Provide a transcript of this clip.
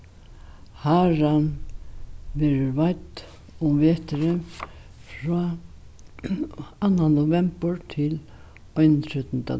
haran verður veidd um veturin frá annan novembur til einogtretivta